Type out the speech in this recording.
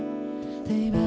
đau